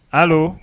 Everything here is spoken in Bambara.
Hali